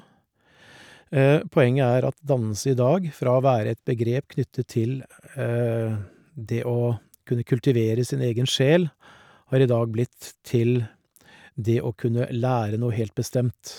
Poenget er at dannelse i dag, fra å være et begrep knyttet til det å kunne kultivere sin egen sjel, har i dag blitt til det å kunne lære noe helt bestemt.